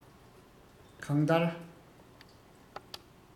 གང ལྟར